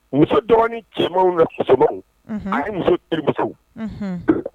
Muso dɔgɔnin cɛmanw na musomanw Unhun . ani muso terimusow Unhun .